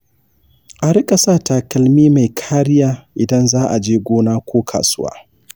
a riƙa sa takalmi mai kariya idan za a je gona ko kasuwa.